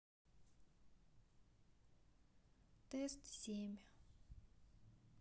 тест семь